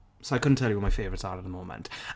So I couldn't tell you who my favourites are at the moment.